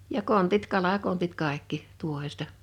ja kontit kalakontit kaikki tuohesta